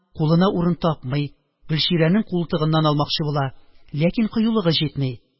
Кулына урын тапмый, гөлчирәнең култыгыннан алмакчы була, ләкин кыюлыгы җитми,